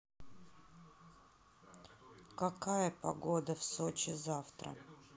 какая погода в сочи завтра